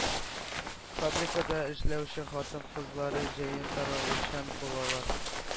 Фабрикада эшләүче хатын-кызлары җәен таралучан булалар.